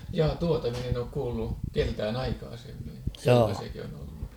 jaa tuota minä en ole kuullut keneltäkään aikaisemmin että tuollaisiakin on ollut